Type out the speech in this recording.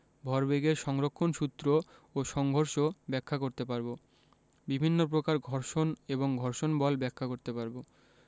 ভরবেগের সংরক্ষণ সূত্র ও সংঘর্ষ ব্যাখ্যা করতে পারব বিভিন্ন প্রকার ঘর্ষণ এবং ঘর্ষণ বল ব্যাখ্যা করতে পারব